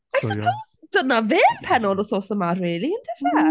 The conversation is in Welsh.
I suppose dyna fe am pennod wythnos yma rili, yndyfe?